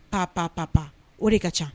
Pa pan pan pan o de ka ca